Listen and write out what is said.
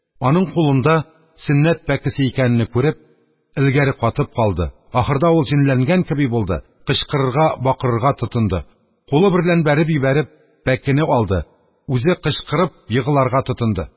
Күзе карчыкның кулындагы былчыранып беткән пәкегә төште. Аның кулында сөннәт пәкесе икәнене күреп, элгәре катып калды, ахырдан ул җенләнгән кеби булды: кычкырырга, бакырырга тотынды, кулы берлән бәреп йибәреп, пәкене алды, үзе кычкырып егларга тотынды.